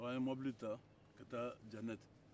an ye mobili ta ka ta janɛti